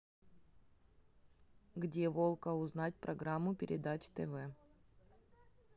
где волка узнать программу передач тв